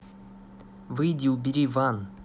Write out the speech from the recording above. выйти убери ван